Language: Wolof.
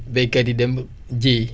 béykat yi dem ji yi